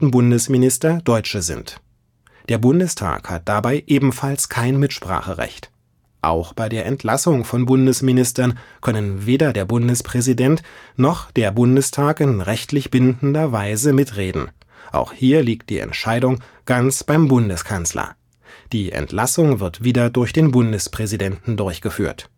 Bundesminister Deutsche sind. Der Bundestag hat dabei ebenfalls kein Mitspracherecht. Auch bei der Entlassung von Bundesministern können weder der Bundespräsident noch der Bundestag in rechtlich bindender Weise mitreden – auch hier liegt die Entscheidung ganz beim Bundeskanzler, die Entlassung wird wieder durch den Bundespräsidenten durchgeführt